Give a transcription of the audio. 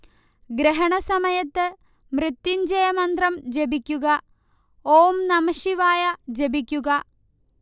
ഗ്രഹണ സമയത്ത് മൃത്യുഞ്ജയ മന്ത്രം ജപിക്കുക, ഓം നമഃശിവായ ജപിക്കുക